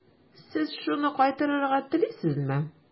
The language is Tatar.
Сез шуны кайтарырга телисезме?